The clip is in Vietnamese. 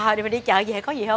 ờ dì dừa đi chợ dề có gì hông